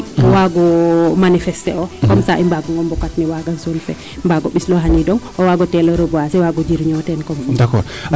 O waag o manifester ox comme ca i mbaangang o mbokat no waa zone fe mbaag o ɓislooxaniidong o waag o teel o reboiser waag o teel o jiriñoor teen.